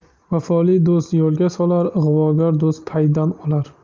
vafoli do'st yo'lga solar ig'vogar do'st paydan olar